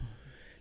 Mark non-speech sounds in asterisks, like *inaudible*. *hesitation* *hesitation*